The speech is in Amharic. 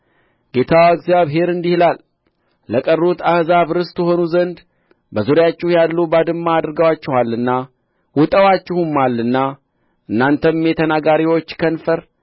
ጌታ እግዚአብሔር እንዲህ ይላል ለቀሩት አሕዛብ ርስት ትሆኑ ዘንድ በዙሪያችሁ ያሉ ባድማ አድርገዋችኋልና ውጠዋችሁማልና እናንተም የተናጋሪዎች ከንፈር